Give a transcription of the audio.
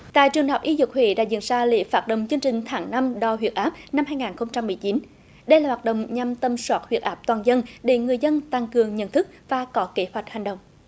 tại trường học y dược huế đã diễn ra lễ phát động chương trình tháng năm đo huyết áp năm hai ngàn không trăm mười chín đây là hoạt động nhằm tầm soát huyết áp toàn dân để người dân tăng cường nhận thức và có kế hoạch hành động